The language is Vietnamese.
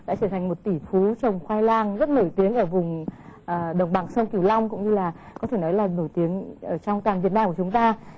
đã trở thành một tỷ phú trồng khoai lang rất nổi tiếng vùng đồng bằng sông cửu long cũng là có thể nói là nổi tiếng ở trong toàn việt nam của chúng ta